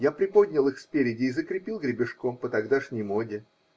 я приподнял их спереди и закрепил гребешком, по тогдашней моде.